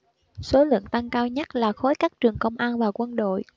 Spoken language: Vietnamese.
số lượng tăng cao nhất là khối các trường công an và quân đội